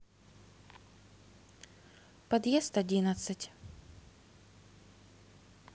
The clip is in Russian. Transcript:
подъезд одиннадцать